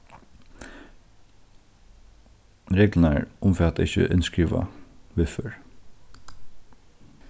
reglurnar umfata ikki innskrivað viðføri